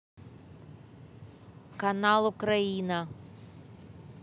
канал украина